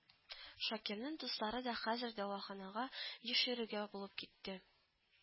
Шакирның дуслары да хәзер дәваханага еш йөрергә булып китте